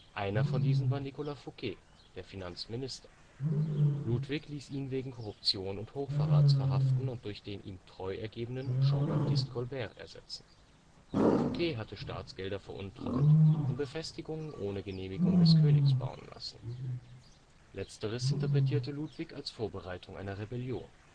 Einer von diesen war Nicolas Fouquet, der Finanzminister. Ludwig ließ ihn wegen Korruption und Hochverrats verhaften und durch den ihm treu ergebenen Jean-Baptiste Colbert ersetzen. Fouquet hatte Staatsgelder veruntreut und Befestigungen ohne Genehmigung des Königs bauen lassen. Letzteres interpretierte Ludwig als Vorbereitung einer Rebellion